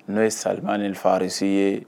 N'o ye saliman ni farisi ye